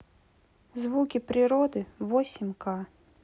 звуки природы восемь к